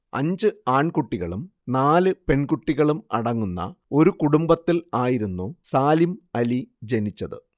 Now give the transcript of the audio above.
അഞ്ച് ആൺകുട്ടികളും നാല് പെൺകുട്ടികളും അടങ്ങുന്ന ഒരു കുടുംബത്തിൽ ആയിരുന്നു സാലിം അലി ജനിച്ചത്